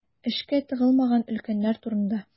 Эшкә тыгылмаган өлкәннәр турында.